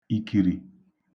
ìkìrì